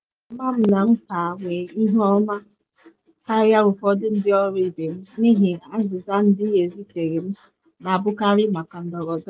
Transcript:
N’ezie, ama m na m ka nwee ihu ọma karịa ụfọdụ ndị ọrụ ibe m n’ihi asịsa ndị ezitere m na abụkarị maka ndọrọndọrọ.